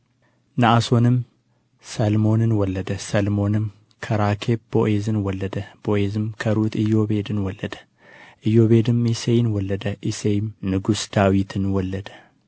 ነአሶንም ሰልሞንን ወለደ ሰልሞንም ከራኬብ ቦኤዝን ወለደ ቦኤዝም ከሩት ኢዮቤድን ወለደ ኢዮቤድም እሴይን ወለደ እሴይም ንጉሥ ዳዊትን ወለደ